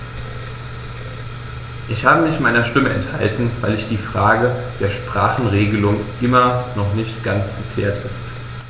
Ich habe mich meiner Stimme enthalten, weil die Frage der Sprachenregelung immer noch nicht ganz geklärt ist.